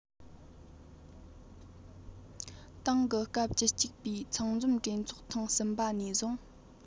ཏང གི སྐབས བཅུ གཅིག པའི ཚང འཛོམས གྲོས ཚོགས ཐེངས གསུམ པ ནས བཟུང